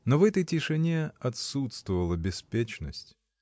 Но в этой тишине отсутствовала беспечность.